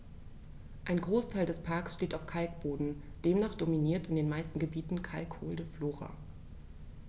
Ein Großteil des Parks steht auf Kalkboden, demnach dominiert in den meisten Gebieten kalkholde Flora.